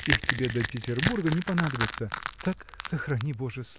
Их тебе до Петербурга не понадобится, так, сохрани боже!